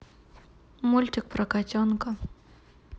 мультик про котенка